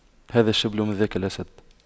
هذا الشبل من ذاك الأسد